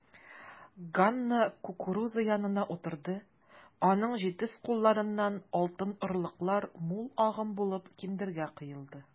Ганна кукуруза янына утырды, аның җитез кулларыннан алтын орлыклар мул агым булып киндергә коелды.